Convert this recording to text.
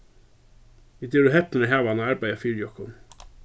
vit eru hepnir at hava hann at arbeiða fyri okkum